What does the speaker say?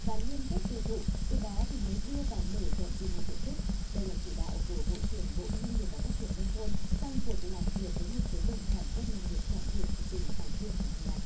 và liên kết tiêu thụ từ đó thì mới đưa vào mở rộng quy mô diện tích đây là chỉ đạo của bộ trưởng bộ nông nghiệp và phát triển nông thôn trong cuộc làm việc với một số vùng sản xuất nông nghiệp trọng điểm của tỉnh hải dương ngày hôm nay